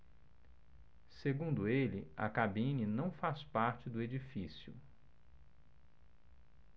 segundo ele a cabine não faz parte do edifício